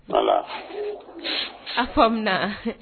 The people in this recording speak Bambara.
A faamuya munna